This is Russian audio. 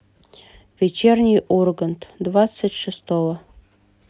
вечерний ургант двадцать шестого